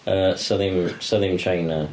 Yy 'sa ddim, 'sa ddim china.